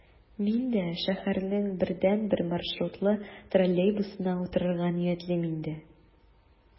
Мин дә шәһәрнең бердәнбер маршрутлы троллейбусына утырырга ниятлим инде...